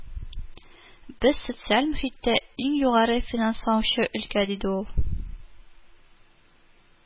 Без социаль мохиттә иң югары финансланучы өлкә, диде ул